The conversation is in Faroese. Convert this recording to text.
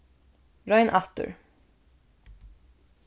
royn aftur